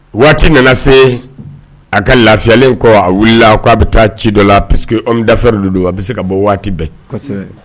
Waati nana se a ka lafiyalen kɔ a wulila a k ko'a bɛ taa ci dɔ la pseke quedafɛ olu don a bɛ se ka bɔ waati bɛɛ